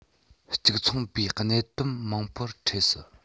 གཅིག མཚུངས པའི གནད དོན མང པོར འཕྲད སྲིད